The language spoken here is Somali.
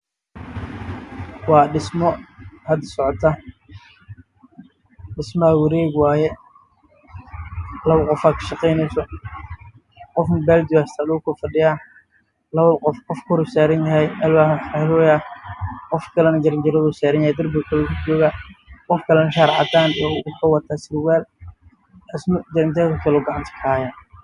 Waa meel uu ka socdo dhismo